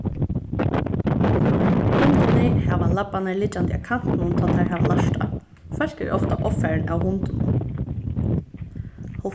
hundarnir hava labbarnar liggjandi á kantinum tá teir hava lært tað fólk eru ofta ovfarin av hundunum